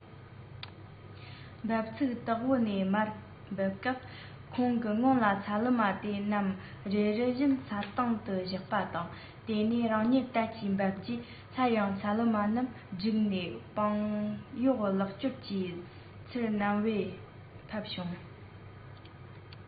འབབ ཚུགས སྟེགས བུ ནས མར འབབ སྐབས ཁོང གི སྔོན ལ ཚ ལུ མ དེ རྣམས རེ རེ བཞིན ས སྟེང དུ བཞག པ དང དེ ནས རང ཉིད དལ གྱི བབས རྗེས སླར ཡང ཚ ལུ མ རྣམས བསྒྲུགས ནས པང གཡོག ལག བསྐྱོར གྱིས ཚུར བསྣམས ཕེབས བྱུང